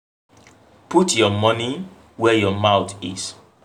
Put your money where your mouth is.